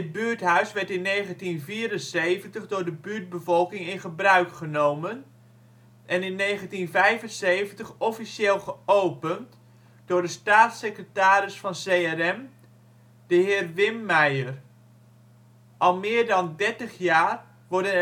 buurthuis werd in 1974 door de buurtbevolking in gebruik genomen en in 1975 officieel geopend door de staatssecretaris van CRM, de heer Wim Meijer. Al meer dan dertig jaar worden